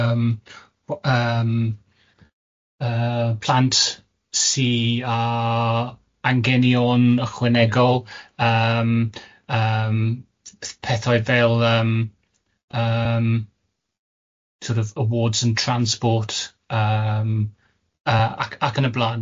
w- yym yy plant sy â angenion ychwanegol yym yym pethau fel yym yym sort of awards and transport yym yy ac ac yn y blan.